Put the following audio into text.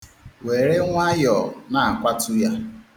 Were nwayọ na-akwatu ya.